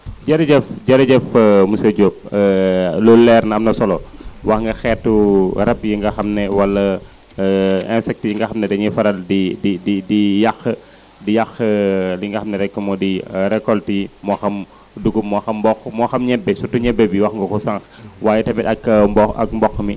jërëjëf jërëjëf monsieur Diop loolu leer na am na solo wax nga xeetu rab yi nga xam ne wala insectes yi nga xam ne dañuy faral di di di di yàq di yàq li nga xam ne rek moo di récolte yi moo xam dugub moo xam mboq moo xam ñebe surtout ñebe bi wax nga ko sànq waaye tamit ak mbo ak mboq mi